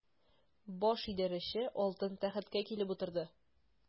Баш идарәче алтын тәхеткә килеп утырды.